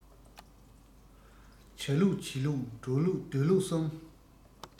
བྱ ལུགས བྱེད ལུགས འགྲོ ལུགས སྡོད ལུགས གསུམ